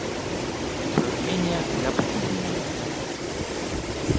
упражнения для похудения